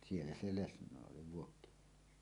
siellä se lesnoi oli Vuokkiniemessä